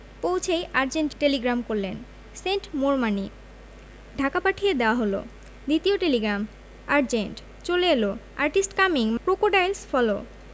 পৌছেই urgent telegram করলেন send more money Dhaka পাঠিয়ে দেয়া হল দ্বিতীয় টেলিগ্রাম আজেন্ট চলে এল আর্টিস্ট কামিং. Crocodiles follow